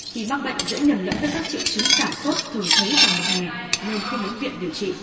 khi mắc bệnh dễ nhầm lẫn với các triệu chứng cảm sốt thường thấy vào mùa hè nên không đến viện điều trị